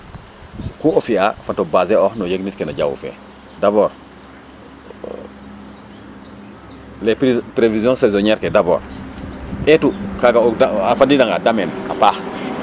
ku o fi'a fat o baser oox no yegnit ke no jawu fe les prévision saisonniére ke d' abord eetu kaaga a fadiidanga dameen a paax